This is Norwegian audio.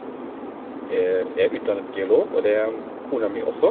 Jeg er utdannet geolog, og det er m kona mi også.